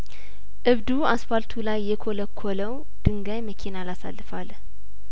እብዱ አስፋልቱ ላይ የኰለኰ ለው ድንጋይመኪና አላ ሳልፍ አለ